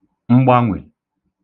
mgbanwè